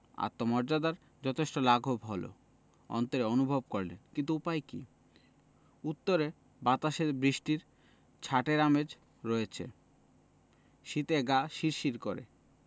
আত্মমর্যাদার যথেষ্ট লাঘব হলো অন্তরে অনুভব করলেন কিন্তু উপায় কি উত্তরে বাতাসে বৃষ্টির ছাঁটের আমেজ রয়েছে শীতে গা শিরশির করে